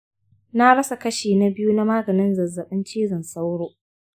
na rasa kashi na biyu na maganin zazzabin cizon sauro.